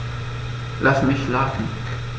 Lass mich schlafen